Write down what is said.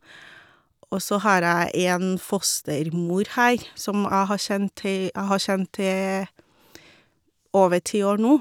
Og så har jeg en fostermor her, som jeg har kjent i jeg har kjent i over ti år nå.